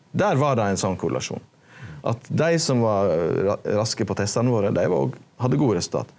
der var det ein sånn korrelasjon at dei som var raske på testane våre dei var òg hadde gode resultat.